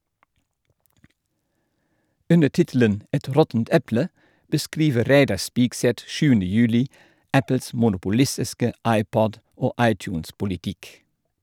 Under tittelen «Et råttent eple» beskriver Reidar Spigseth 7. juli Apples monopolistiske iPod- og iTunes-politikk.